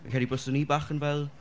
Rwy'n credu byswn i'n bach yn fel...